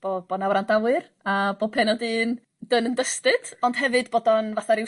bo' bo' 'na wrandawyr a bo' pennod un done and dusted ond hefyd bod o'n fatha ryw